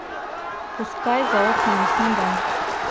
пускай за окнами снега